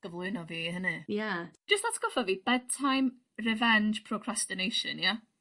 gyflwyno fi i hynny. Ia. Jyst atgoffa fi bedtime revenge procrastination ia?